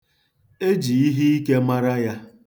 E ji iheike mara ya.